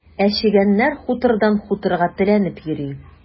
Ә чегәннәр хутордан хуторга теләнеп йөри.